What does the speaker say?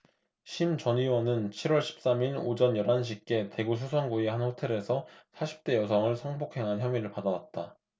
심 전 의원은 칠 월 십 삼 일 오전 열 한 시께 대구 수성구의 한 호텔에서 사십 대 여성을 성폭행한 혐의를 받아 왔다